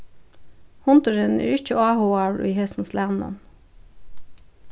hundurin er ikki áhugaður í hesum slagnum